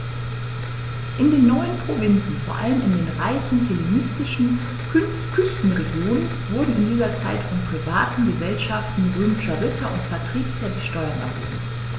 In den neuen Provinzen, vor allem in den reichen hellenistischen Küstenregionen, wurden in dieser Zeit von privaten „Gesellschaften“ römischer Ritter und Patrizier die Steuern erhoben.